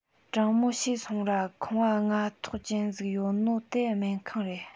དྲང མོ བྱོས སོང ར ཁང བ ལྔ ཐོག ཅན ཟིག ཡོད ནོ དེ སྨན ཁང རེད